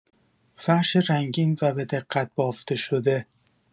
فرش رنگین و به‌دقت بافته‌شده